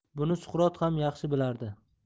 buni suqrot ham yaxshi bilardi